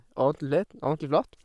ordentlig litn Ordentlig flott.